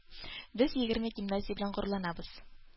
Без егерме гимназия белән горурланабыз